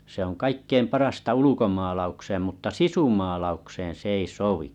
se on kaikkein parasta ulkomaalaukseen mutta sisumaalaukseen se ei sovi